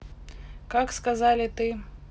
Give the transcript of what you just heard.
как сказали ты